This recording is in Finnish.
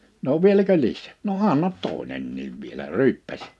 no vieläkö lisää no anna toinenkin vielä ryyppäsi